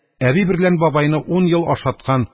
Әби берлән бабайны ун ел ашаткан,